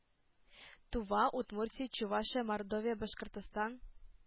Тува, Удмуртия, Чувашия, Мордовия, Башкортстан